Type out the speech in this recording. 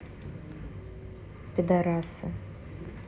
пидарасы